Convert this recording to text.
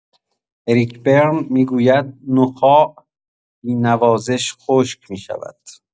اریک برن می‌گوید: نخاع، بی‌نوازش خشک می‌شود.